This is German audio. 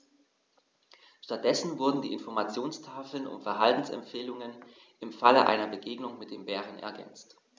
Stattdessen wurden die Informationstafeln um Verhaltensempfehlungen im Falle einer Begegnung mit dem Bären ergänzt.